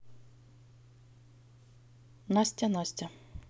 настя настя